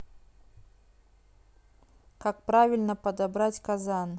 как правильно подобрать казан